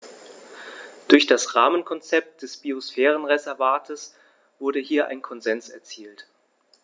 Durch das Rahmenkonzept des Biosphärenreservates wurde hier ein Konsens erzielt.